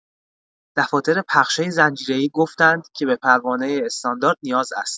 دفاتر پخش‌های زنجیره‌ای گفتند که به پروانه استاندارد نیاز است.